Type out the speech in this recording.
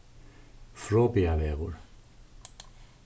froðbiarvegur